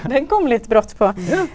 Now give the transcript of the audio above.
den kom litt brått på.